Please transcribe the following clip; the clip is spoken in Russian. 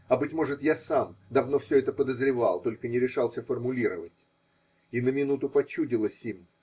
А быть может, я и сам давно все это подозревал, только не решался формулировать? И на минуту почудилось им.